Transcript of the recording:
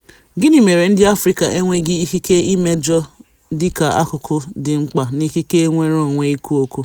Gịnị mere ndị Afrịka enweghị ikike imejọ dịka akụkụ dị mkpa n'ikike nnwereonwe ikwu okwu?